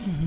%hu